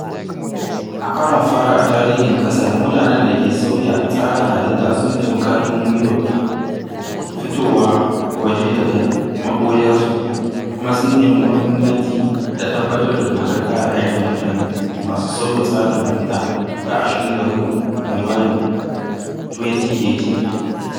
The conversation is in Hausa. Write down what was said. A karon fari a tarihin ƙasar, mutanen da ke sauya tsarin halitta sun sami ƙarfin guiwar fitowa waje daga maɓoyarsu kuma sun nemi gwamnati ta tabbatar da Dokar(Kare Haƙƙoƙin) Mutane masu Sauya Tsarin Halitta ta 24 ga Mayu, 2018.